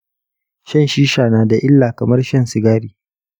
shan shisha na da illa kamar shan sigari.